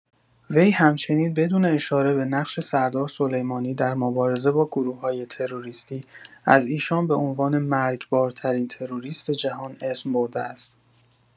وی همچنین بدون اشاره به نقش سردار سلیمانی در مبارزه با گروه‌های تروریستی از ایشان به عنوان «مرگبارترین تروریست جهان» اسم برده است.